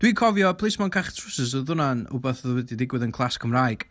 Dwi'n cofio plismon cachu trowsus, oedd hwnna'n rywbath oedd wedi digwydd yn class Cymraeg.